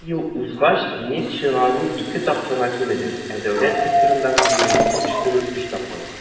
12 ел узгач нефть чыгару ике тапкырга кимеде, ә дәүләт секторындагы гомуми җитештерү - өч тапкырга.